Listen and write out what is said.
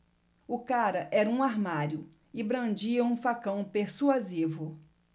o cara era um armário e brandia um facão persuasivo